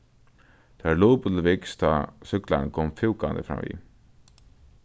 teir lupu til viks tá súkklarin kom fúkandi framvið